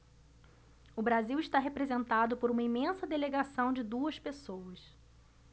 o brasil está representado por uma imensa delegação de duas pessoas